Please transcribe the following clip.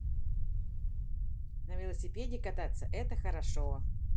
на велосипеде кататься это хорошо